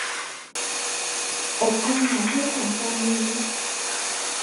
อบอาหารให้ฉันตอนนี้